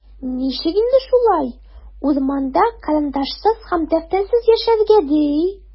Ничек инде шулай, урманда карандашсыз һәм дәфтәрсез яшәргә, ди?!